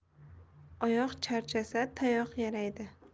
oyoq charchasa tayoq yaraydi